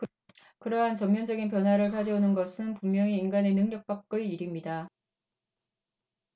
그러한 전면적인 변화를 가져오는 것은 분명히 인간의 능력 밖의 일입니다